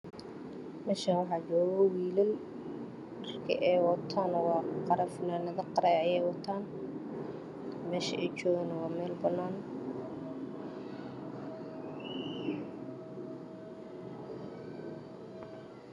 Meshan waxa joogo wll dharka eey watan waa fanand qare ah ayay watan mesh ey joogan waa mel banan ah